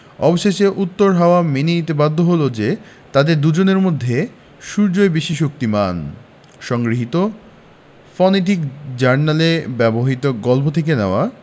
অবশেষে উত্তর হাওয়া মেনে নিতে বাধ্য হয় যে তাদের দুজনের মধ্যে সূর্যই বেশি শক্তিমান সংগৃহীত ফনেটিক জার্নালে ব্যবহিত গল্প থেকে নেওয়া